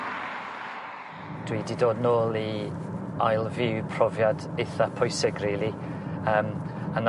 Dwi 'di dod nôl i ail fyw profiad eitha pwysig rili. Yym yn...